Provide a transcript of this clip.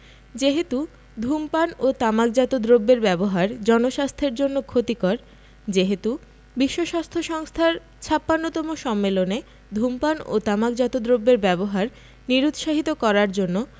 যেহেতু ধূমপান ও তামাকজাত দ্রব্যের ব্যবহার জনস্বাস্থ্যের জন্য ক্ষতিকর যেহেতু বিশ্বস্বাস্থ্য সংস্থার ৫৬তম সম্মেলনে ধূমপান ও তামাকজাত দ্রব্যের ব্যবহার নিরুৎসাহিত করার জন্য